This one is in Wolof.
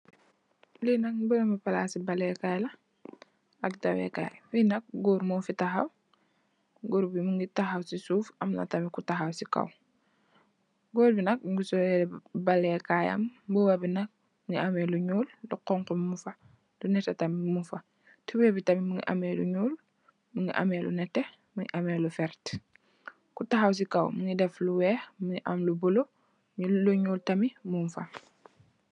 Lii nak beenë palaas i bale kaay la, ak dawé kaay. Fii nak, Goor moo fi taxaw, góor bi mu ngi taxaw si suuf, kénén ki mu ngi taxaw si kow. Goor bi nak, mu ngi sol yire yu ballé kaay am, mu ngi amee lu ñuul, lu xoñxu muñ fa, lu nétté tamit muñ fa, tubooy bi tamit mu ngi amee lu ñuul, mu ngi amee lu nétté, mu ngi amee lu werta, mu taxaw si kow, mu ngi def lu weex, am lu bulo, lu weex tam muñg fa.